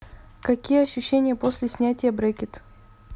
какие ощущения после снятия брекет